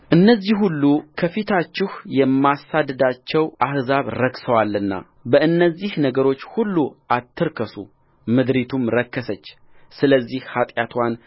በእነዚህ ሁሉ ከፊታችሁ የማሳድዳቸው አሕዛብ ረክሰዋልና በእነዚህ ነገሮች ሁሉ አትርከሱምድሪቱም ረከሰች ስለዚህ ኃጢአትዋን